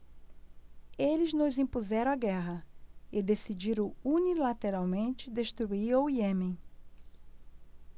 eles nos impuseram a guerra e decidiram unilateralmente destruir o iêmen